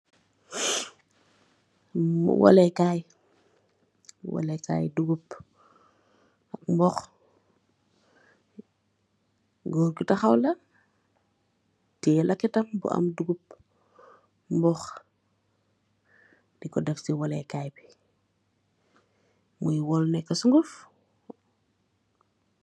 Woleh gai , woleh gai duhgum , mbohaa gorr gu tahaw laah teh lekettam bu ahmeh dukum , bohah , digoh deff si woleh gai b , muii woll nekah sukuff.